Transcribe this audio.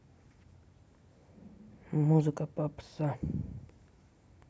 музыка попса